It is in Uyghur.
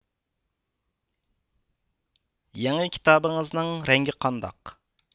يېڭى كىتابىڭىزنىڭ رەڭگى قانداق